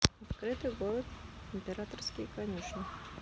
открытый город императорские конюшни